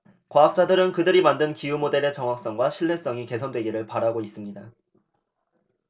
과학자들은 그들이 만든 기후 모델의 정확성과 신뢰성이 개선되기를 바라고 있습니다